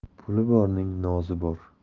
puli borning nozi bor